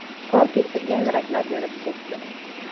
qor kechib gandiraklab yurib ketdi